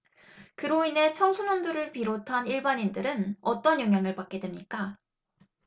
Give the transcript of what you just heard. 그로 인해 청소년들을 비롯한 일반인들은 어떤 영향을 받게 됩니까